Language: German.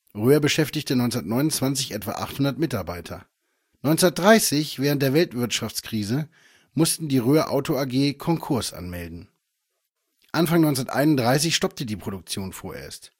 Röhr beschäftigte 1929 etwa 800 Mitarbeiter. 1930 während der Weltwirtschaftskrise, mussten die „ Röhr Auto AG “Konkurs anmelden. Anfang 1931 stoppte die Produktion vorerst